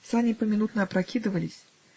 сани поминутно опрокидывались.